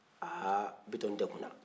ha bitɔn degunna